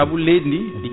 saabu leydi ndi